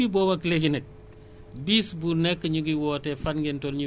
ndax ñi assurer woon seen contrat dafa jeexoon donc ce qui fait que